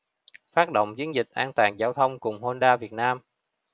phát động chiến dịch an toàn giao thông cùng honda việt nam